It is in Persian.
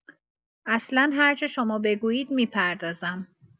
اصلا هرچه شما بگویید می‌پردازم.